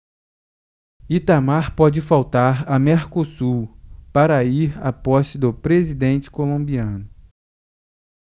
itamar pode faltar a mercosul para ir à posse do presidente colombiano